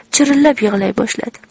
chirillab yig'lay boshladi